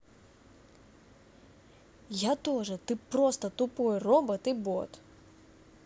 я тоже ты просто тупой робот и бот